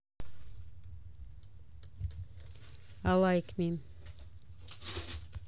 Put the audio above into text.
а лайк ми